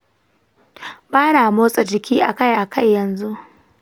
bana motsa jiki akai akai yanzu